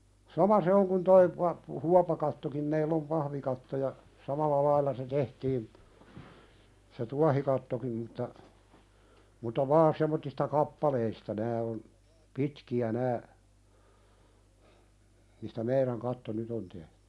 sama se on kuin tuo - huopakattokin meillä on pahvikatto ja samalla lailla se tehtiin se tuohikattokin mutta mutta vain semmoisista kappaleista nämä on pitkiä nämä mistä meidän katto nyt on tehty